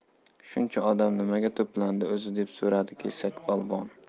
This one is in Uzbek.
shuncha odam nimaga to'plandi o'zi deb so'radi kesakpolvon